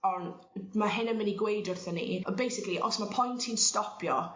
on' ma' hyn yn myn' i gweud wrtho ni on' basically os ma' poen ti'n stopio